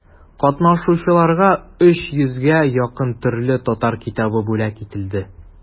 Катнашучыларга өч йөзгә якын төрле татар китабы бүләк ителде.